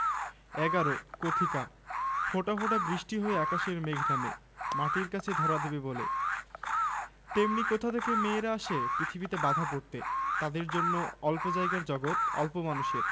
মসজিদটা বানিয়েছিলেন মির্জা গোলাম পীর তাই অনেক কাল ধরে একে মির্জা গোলাম পীরের মসজিদ বলেই চিনতো সবাই তখন মসজিদটা অন্যরকম ছিল এত জ্বলজ্বলে ছিল না ছিলনা তারায় তারায় ছাওয়া